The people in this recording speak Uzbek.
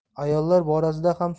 ayollar borasida ham